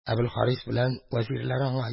Әбелхарис белән вәзирләр аңа: